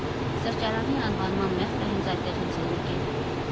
Սրճարանի անվանման մեղրը հենց այդտեղից է եկել։